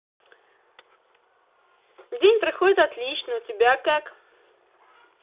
день проходит отлично у тебя как